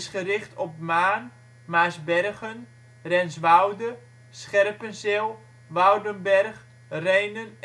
gericht op Maarn, Maarsbergen, Renswoude, Scherpenzeel, Woudenberg, Rhenen